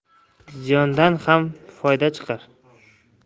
ziyondan ham foyda chiqar